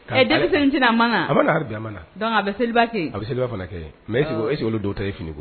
Denmisɛnnin tɛna a man kan a b bɛ ha na dɔn a bɛ seliba kɛ a bɛ seba fana kɛ mɛ ese dɔw ta e fini